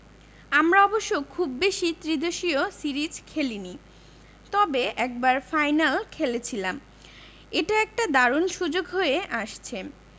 আমরা অবশ্য খুব বেশি ত্রিদেশীয় সিরিজ খেলিনি তবে একবার ফাইনাল খেলেছিলাম এটা একটা দারুণ সুযোগ হয়ে আসছে